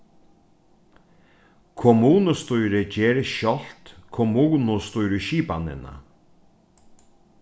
kommunustýrið ger sjálvt kommunustýrisskipanina